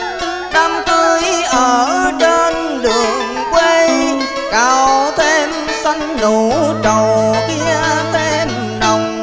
đám cứi ở trên đường quê cao thêm xanh nụ trầu kia thêm nồng